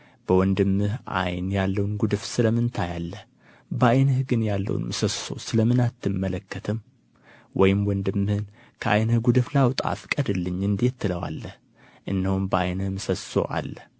በወንድምህም ዓይን ያለውን ጉድፍ ስለምን ታያለህ በዓይንህ ግን ያለውን ምሰሶ ስለ ምን አትመለከትም ወይም ወንድምህን ከዓይንህ ጉድፍ ላውጣ ፍቀድልኝ እንዴትስ ትለዋለህ እነሆም በዓይንህ ምሰሶ አለ